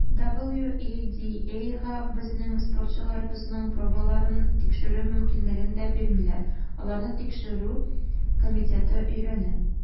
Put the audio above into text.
WADAга безнең спортчыларыбызның пробаларын тикшерү мөмкинлеген дә бирмиләр - аларны Тикшерү комитеты өйрәнә.